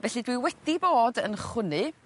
felly dwi wedi bod yn chwynnu